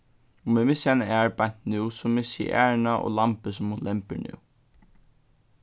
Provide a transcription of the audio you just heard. um eg missi eina ær beint nú so missi eg ærina og lambið sum hon lembir nú